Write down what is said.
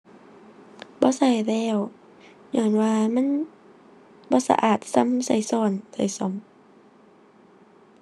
บ่ใช้แล้ว ญ้อนว่ามันบ่สะอาดส่ำใช้ใช้ ใช้ส้อม